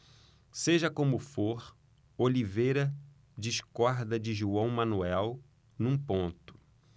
seja como for oliveira discorda de joão manuel num ponto